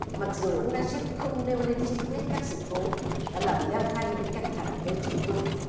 mặc dù ông na chíp không nêu lên chi tiết các sự cố đã làm leo thang những căng thẳng với trung quốc